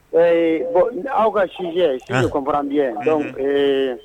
Ee bɔn aw ka sinjɛ kɔnpradi ye ɛɛ